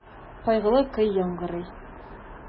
Кайгылы көй яңгырый.